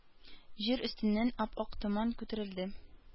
Җир өстеннән ап-ак томан күтәрелде.